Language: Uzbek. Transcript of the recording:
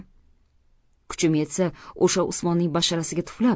kuchim yetsa o'sha usmonning basharasiga tuflab